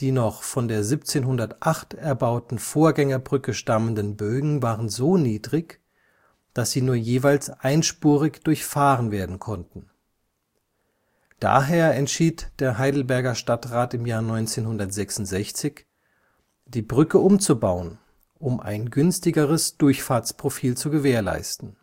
noch von der 1708 erbauten Vorgängerbrücke stammenden Bögen waren so niedrig, dass sie nur jeweils einspurig durchfahren werden konnten. Daher entschied der Heidelberger Stadtrat 1966, die Brücke umzubauen, um ein günstigeres Durchfahrtsprofil zu gewährleisten